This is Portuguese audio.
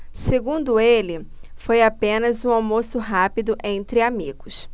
segundo ele foi apenas um almoço rápido entre amigos